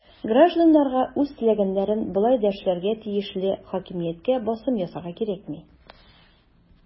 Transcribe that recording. Гражданнарга үз теләгәннәрен болай да эшләргә тиешле хакимияткә басым ясарга кирәкми.